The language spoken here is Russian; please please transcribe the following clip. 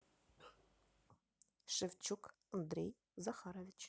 шевчук андрей захарович